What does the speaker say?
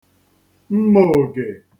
mmoògè